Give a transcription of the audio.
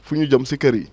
fu ñu jëm si kër yi